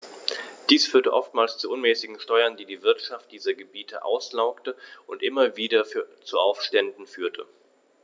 Dies führte zu oftmals unmäßigen Steuern, die die Wirtschaft dieser Gebiete auslaugte und immer wieder zu Aufständen führte.